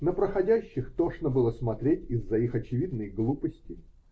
на проходящих тошно было смотреть из-за их очевидной глупости